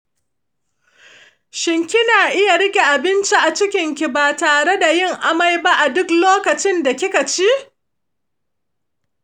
shin kina iya rike abinci a cikinki ba tareda kinyi amai ba a duk lokacinda kikaci?